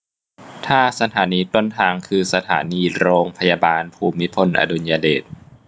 ถ้าสถานีต้นทางคือสถานีโรงพยาบาลภูมิพลอดุลยเดช